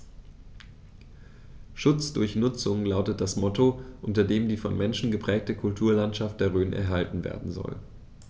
„Schutz durch Nutzung“ lautet das Motto, unter dem die vom Menschen geprägte Kulturlandschaft der Rhön erhalten werden soll.